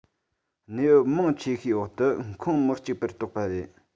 གནས བབ མང ཆེ བའི འོག ཏུ ཁོངས མི གཅིག པར གཏོགས པ རེད